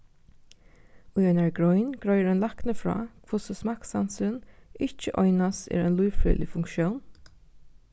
í einari grein greiðir ein lækni frá hvussu smakksansurin ikki einans er ein lívfrøðilig funktión